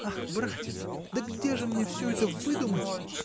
— Ах, братец, да где же мне всё это выдумать!